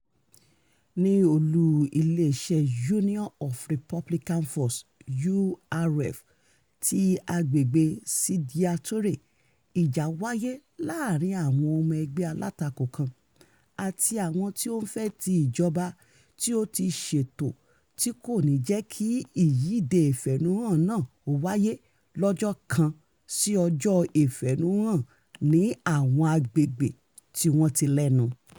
...ní olú iléeṣẹ́ Union of Republican Forces (URF) tí agbègbè Sidya Touré, ìjá wáyé láàárín àwọn ọmọ ẹgbẹ́ alátakò kan àti àwọn tí ó ń fẹ́ ti ìjọba tí ó ti ṣètò tí kò ní jẹ́ kí ìyíde ìfẹ̀hónúhàn náà ó wáyé lọ́jọ́ kan sí ọjọ́ ìfẹ̀hónúhàn ní àwọn agbègbè tí wọ́n ti lẹ́nu.